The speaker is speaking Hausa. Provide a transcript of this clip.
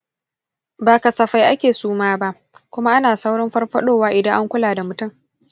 ba kasafai ake suma ba, kuma ana saurin farfaɗowa idan an kula da mutum.